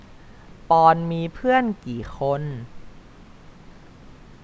ปอนด์มีเพื่อนกี่คน